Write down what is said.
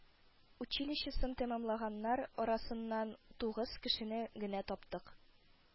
Училищесын тәмамлаганнар арасыннан тугыз кешене генә таптык